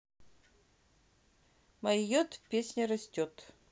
mayot песня растет